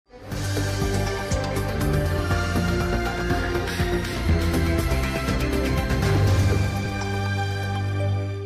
Wa